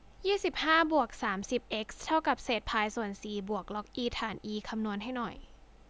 ยี่สิบห้าบวกสามสิบเอ็กซ์เท่ากับเศษพายส่วนสี่บวกล็อกอีฐานอีคำนวณให้หน่อย